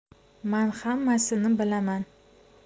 man hammasini bilaman